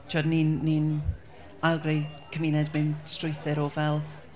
Ti'n gwbod, ni'n, ni'n ail-greu cymuned mewn strwythur o fel....